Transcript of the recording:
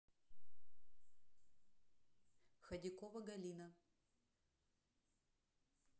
ходякова галина